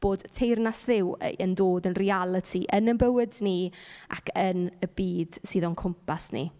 Bod teyrnas Dduw yy yn dod yn realiti yn ein bywyd ni ac yn y byd sydd o'n cwmpas ni.